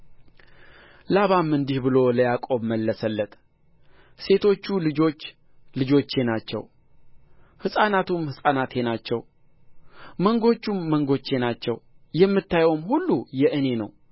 ላባም እንዲህ ብሎ ለያቆብ መለሰለት ሴቶቹ ልጆች ልጆቼ ናቸው ሕፃናቱም ሕፃናቴ ናቸው መንጎቹም መንጎቼ ናቸው የምታየውም ሁሉ የእኔ ነው